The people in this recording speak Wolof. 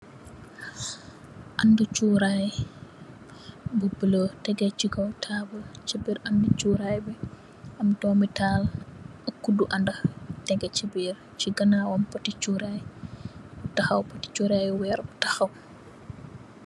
Andi churai bu buluu tegeh sey kaw tabul sey birr andi churai bi am doomi taal ak kudu anda teyeh sey birr sey ganawam poti churai bu tahaw poti churai yi weer bu tahaw.